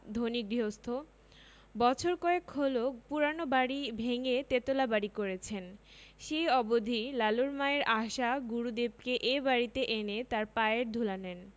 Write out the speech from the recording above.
ধনী গৃহস্থ বছর কয়েক হলো পুরানো বাড়ি ভেঙ্গে তেতলা বাড়ি করেছেন সেই অবধি লালুর মায়ের আশা গুরুদেবকে এ বাড়িতে এনে তাঁর পায়ের ধুলা নেন